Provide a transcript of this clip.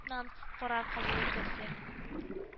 Нан карар кабул ителгән